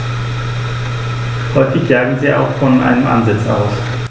Häufig jagen sie auch von einem Ansitz aus.